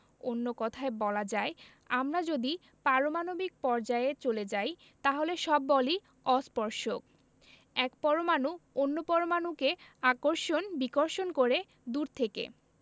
অন্য কথায় বলা যায় আমরা যদি পারমাণবিক পর্যায়ে চলে যাই তাহলে সব বলই অস্পর্শক এক পরমাণু অন্য পরমাণুকে আকর্ষণ বিকর্ষণ করে দূর থেকে